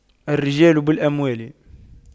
الرجال بالأموال